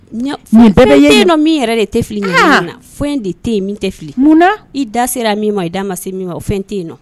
Nin bɛɛ bɛ ye, fɛn tɛ yen nɔ min yɛrɛ de tɛ fili ɲaman in na, fɛn de tɛ yen min tɛ fili, munna, i da sera min ma i da ma se min o fɛn tɛ yen nɔ